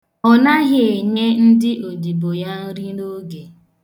Ọ naghị enye ndị odibo ya nri n'oge.